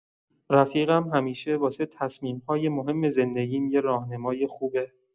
رفیقم همیشه واسه تصمیم‌های مهم زندگیم یه راهنمای خوبه.